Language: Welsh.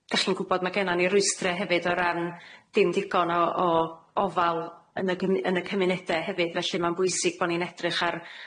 Dech chi'n gwbod, ma' gennan ni rwystre hefyd o ran dim digon o o ofal yn y gym- yn y cymunede hefyd. Felly ma'n bwysig bo' ni'n edrych ar